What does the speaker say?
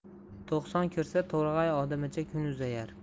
to'qson kirsa to'rg'ay odimicha kun uzayar